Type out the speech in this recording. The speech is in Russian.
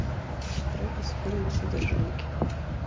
трек из фильма содержанки